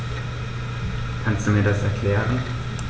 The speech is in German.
Kannst du mir das erklären?